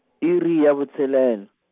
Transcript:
iri ya botshelela.